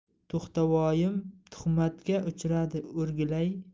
to'xtavoyim tuhmatga uchradi o'rgilay